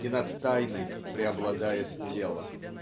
и над тайной преобладает тело.